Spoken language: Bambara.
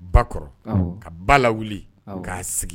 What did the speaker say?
Ba kɔrɔ ka ba la wuli k'a sigi